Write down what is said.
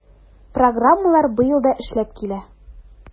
Программалар быел да эшләп килә.